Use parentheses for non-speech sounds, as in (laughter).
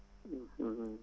(hesitation) (hesitation)